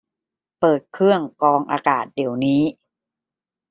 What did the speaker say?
เปิดเครื่องกรองอากาศเดี๋ยวนี้